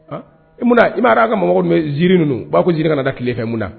I munna i m'ar a ka mako bɛ ziiri ninnu b'a ko z kana da tilele fɛ mun na